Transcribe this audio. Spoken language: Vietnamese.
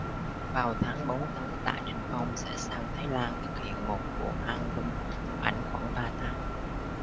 vào tháng bốn tới tạ đình phong sẽ sang thái lan thực hiện một bộ album ảnh khoảng ba tháng